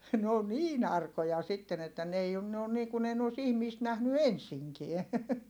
ne on niin arkoja sitten että ne ei on ne on niin kuin ei ne olisi ihmistä nähnyt ensinkään